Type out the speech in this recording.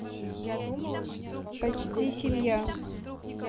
почти семья